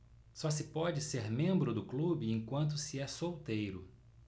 só se pode ser membro do clube enquanto se é solteiro